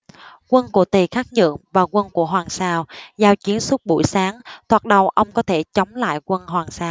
quân của tề khắc nhượng và quân của hoàng sào giao chiến suốt buổi sáng thoạt đầu ông có thể chống lại quân hoàng sào